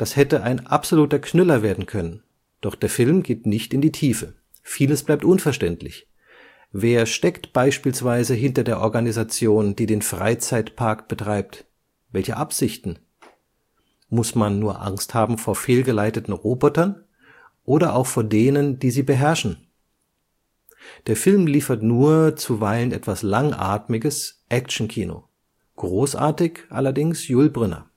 hätte ein absoluter Knüller werden können. Doch der Film geht nicht in die Tiefe. Vieles bleibt unverständlich. Wer steckt beispielsweise hinter der Organisation, die den Freizeitpark betreibt; welche Absichten? Muß man nur Angst haben vor fehlgeleiteten Robotern oder auch vor denen, die sie beherrschen? Der Film liefert nur (zuweilen etwas langatmiges) Action-Kino. Großartig allerdings Yul Brynner